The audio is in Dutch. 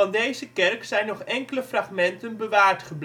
deze kerk zijn nog enkele fragmenten bewaard